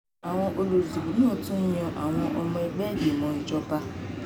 Àwọn olùdìbò tún ń yan àwọn ọmọ ẹgbẹ́ ìgbìmọ̀ ìjọba.